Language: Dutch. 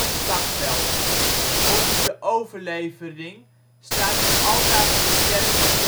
slagveld. Volgens de overlevering staat het altaar van de kerk van